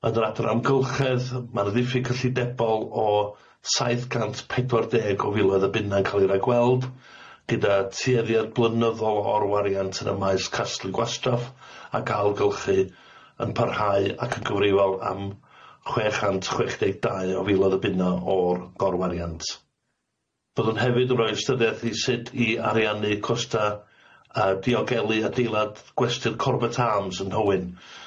Yn yr adran amgylchedd ma na ddiffyg cyllidebol o saith gant pedwar deg o filoedd y bunna'n ca'l i ra'i gweld gyda tueddiad blynyddol orwariant yn y maes casglu gwastraff a ga'l gylchu yn parhau ac yn gyfrifol am chwe chant chwech deg dau o filoedd y bunna' o'r gorwariant. Fyddwn hefyd yn roi ystydiad i sut i ariannu costa a diogelu adeilad gwesty'r Corbett Arms yn Nhywyn.